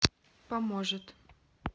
поможет